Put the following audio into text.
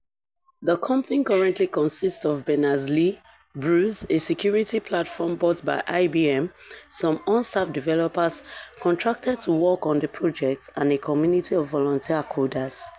The company currently consists of Berners-Lee, Bruce, a security platform bought by IBM, some on-staff developers contracted to work on the project, and a community of volunteer coders.